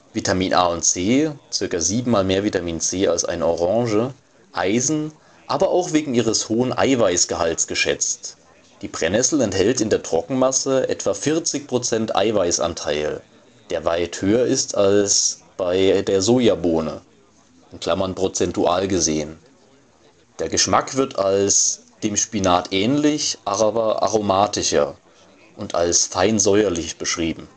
Vitamin A und C (ca. 7x mehr Vitamin C als eine Orange), Eisen, aber auch wegen ihres hohen Eiweißgehalts geschätzt. Die Brennnessel enthält in der Trockenmasse etwa 40 % Eiweissanteil, der weit höher ist als bei der Sojabohne (prozentual gesehen). Der Geschmack wird als " dem Spinat ähnlich, aber aromatischer " und als feinsäuerlich beschrieben